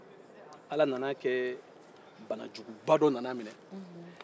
ala nana a kɛ banajuguba dɔ nana a minɛ